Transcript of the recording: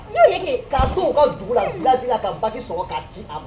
Ka to u ka dugu la village la a ye BAC sɔrɔ ka ci a ma di